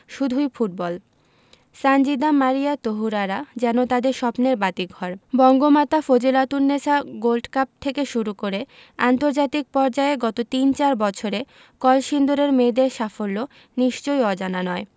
শুধুই ফুটবল সানজিদা মারিয়া তহুরারা যেন তাদের স্বপ্নের বাতিঘর বঙ্গমাতা ফজিলাতুন্নেছা গোল্ড কাপ থেকে শুরু করে আন্তর্জাতিক পর্যায়ে গত তিন চার বছরে কলসিন্দুরের মেয়েদের সাফল্য নিশ্চয়ই অজানা নয়